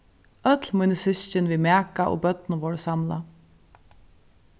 øll míni systkin við maka og børnum vóru samlað